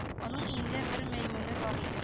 Аның өендә бер мәймүне бар иде